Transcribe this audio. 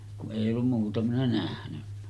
kun ei ollut muuta minä nähnyt